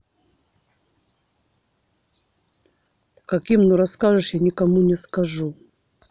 каким ну расскажешь я никому не скажу